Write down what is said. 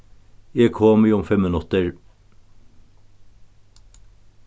eg komi um fimm minuttir